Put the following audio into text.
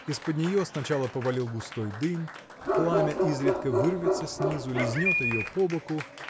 Из-под нее сначала повалил густой дым пламя изредка вырвется снизу лизнет ее по боку